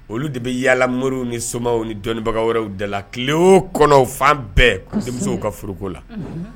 Olu de bɛ yaalamuru ni somaw ni dɔnniibagaw wɛrɛraww dala la tilele o kɔnɔw fan bɛɛ denmusow ka furuko la